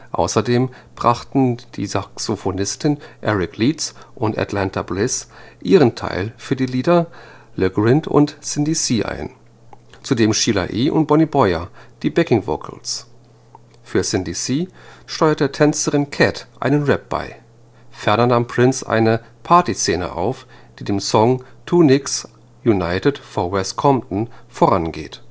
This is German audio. auf. Außerdem brachten die Saxofonisten Eric Leeds und Atlanta Bliss ihren Teil für die Lieder Le Grind und Cindy C. ein, zudem Sheila E. und Boni Boyer die Backing Vocals. Für Cindy C. steuerte Tänzerin Cat einen Rap bei. Ferner nahm Prince eine „ Party-Szene “auf, die dem Song 2 Nigs United 4 West Compton vorangeht